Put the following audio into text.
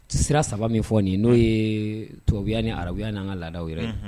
TI sira 3 min fɔ nin ye n'o yee tubabuya ni arabuya n'an ŋa laadaw yɛrɛ ye unhun